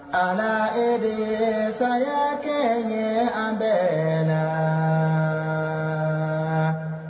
Ala e de ye saya kɛ ɲe an bɛɛ laaaa